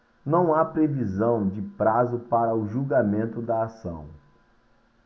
não há previsão de prazo para o julgamento da ação